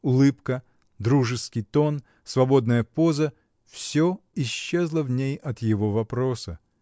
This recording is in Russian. Улыбка, дружеский тон, свободная поза — всё исчезло в ней от его вопроса.